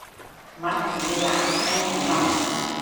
มัดถุงขยะให้ฉันหน่อย